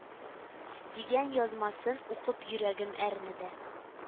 Дигән язмасын укып йөрәгем әрнеде